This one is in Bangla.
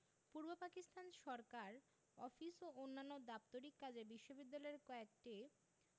পূর্ব পাকিস্তান সরকার অফিস ও অন্যান্য দাপ্তরিক কাজে বিশ্ববিদ্যালয়ের কয়েকটি